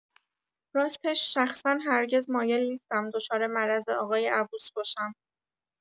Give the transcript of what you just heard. راستش شخصا هرگز مایل نیستم دچار مرض آقای عبوس باشم.